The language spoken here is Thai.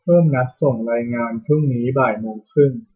เพิ่มนัดส่งรายงานพรุ่งนี้บ่ายโมงครึ่ง